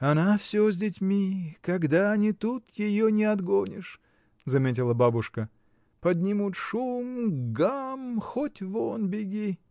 — Она всё с детьми: когда они тут, ее не отгонишь, — заметила бабушка, — поднимут шум, гам, хоть вон беги!